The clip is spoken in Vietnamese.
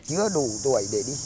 chưa đủ tuổi để đi